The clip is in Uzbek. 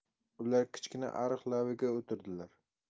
ular kichkina ariq labiga o'tirdilar